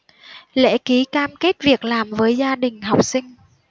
lễ ký cam kết việc làm với gia đình học sinh